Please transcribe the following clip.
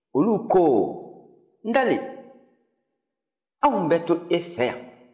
olu ko ntalen anw bɛ to e fɛ yan